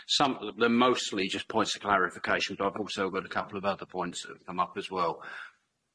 Some of them mostly just points to clarification, but I've also got a couple of other points that have come up as well.